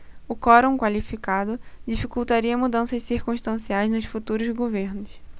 o quorum qualificado dificultaria mudanças circunstanciais nos futuros governos